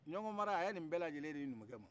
ɲɔngɔn mari a ye nin bɛɛ lajɛlen di numukɛ ma